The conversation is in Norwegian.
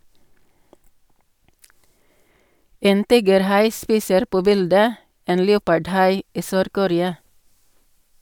En tigerhai spiser på bildet en leopardhai i Sør-Korea.